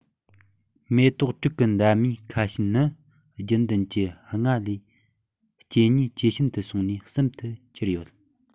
མེ ཏོག དྲུག གི འདབ མའི ཁ ཤུན ནི རྒྱུན ལྡན གྱི ལྔ ལས སྐྱེ ནུས ཇེ ཞན དུ སོང ནས གསུམ དུ གྱུར ཡོད